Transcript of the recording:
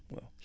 voilà